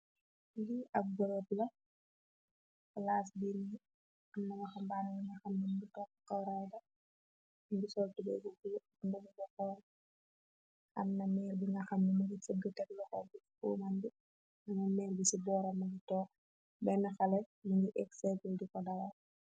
Li ab bërob la plaas binn amn xmbann naxam mb toox koroda nngi soltu beebu fu ab bënu bu xoor amna meer bi naxam ni muni fëgg teg loxoor bi umanbi ana meer bi ci booram gi toox benn xale yi ngi egsetul di ko dawa.